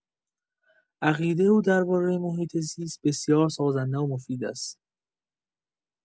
عقیده او درباره محیط‌زیست بسیار سازنده و مفید است.